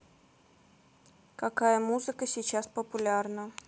какая музыка сейчас популярна